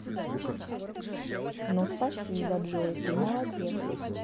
ну спасибо джой ты молодец